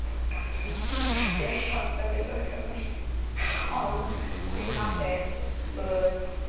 Gallaf. Fi eisiau symud o Cymru. Ond fi'n hapus bod